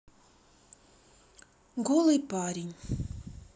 голый парень